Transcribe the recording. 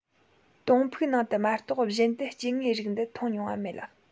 དོང ཕུག ནང དུ མ གཏོགས གཞན དུ སྐྱེ དངོས རིགས འདི མཐོང མྱོང བ མེད